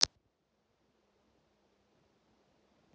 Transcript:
где снимался леонардо ди каприо